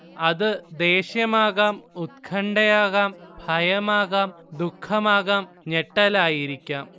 അത് ദേഷ്യമാകാം ഉത്കണ്ഠയാകാം ഭയമാകാം ദുഃഖമാകാം ഞെട്ടലായിരിക്കാം